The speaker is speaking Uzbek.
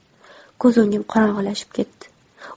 ko'z o'ngim qorong'ilashib ketdi